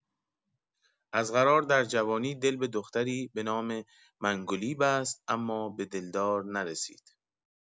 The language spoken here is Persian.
از قرار در جوانی دل به دختری به‌نام منگلی بست اما به دلدار نرسید.